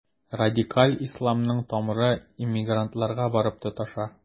Радикаль исламның тамыры иммигрантларга барып тоташа.